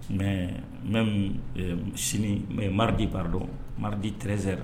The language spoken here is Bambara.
Mais, même sini, mardi pardon, mardi 13 heures